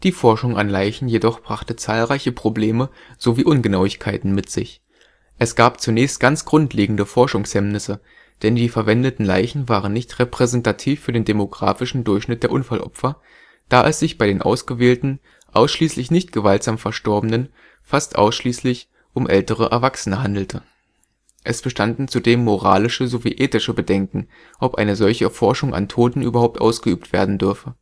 Forschung an Leichen jedoch brachte zahlreiche Probleme sowie Ungenauigkeiten mit sich. Es gab zunächst ganz grundlegende Forschungshemmnisse, denn die verwendeten Leichen waren nicht repräsentativ für den demografischen Durchschnitt der Unfallopfer, da es sich bei den ausgewählten, ausschließlich nicht gewaltsam verstorbenen, fast ausschließlich um ältere Erwachsene handelte. Es bestanden zudem moralische sowie ethische Bedenken, ob eine solche Forschung an Toten überhaupt ausgeübt werden dürfe